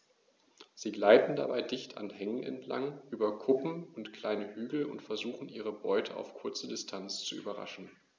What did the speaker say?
Sie gleiten dabei dicht an Hängen entlang, über Kuppen und kleine Hügel und versuchen ihre Beute auf kurze Distanz zu überraschen.